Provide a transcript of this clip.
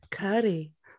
Cyri.